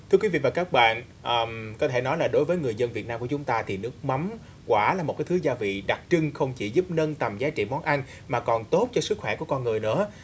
thưa quý vị và các bạn có thể nói là đối với người dân việt nam của chúng ta thì nước mắm quả là một cái thứ gia vị đặc trưng không chỉ giúp nâng tầm giá trị món ăn mà còn tốt cho sức khỏe của con người nữa